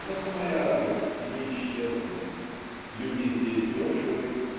но самая радость не исчезла люди здесь дешевы